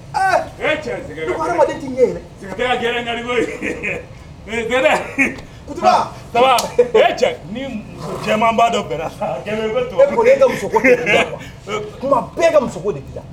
Ni' dɔ kuma bɛɛ ka muso de la